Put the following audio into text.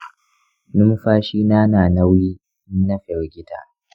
numfashina na nauyi in na firgita.